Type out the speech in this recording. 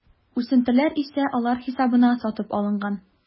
Үсентеләр исә алар хисабына сатып алынган.